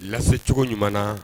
Lase cogo ɲuman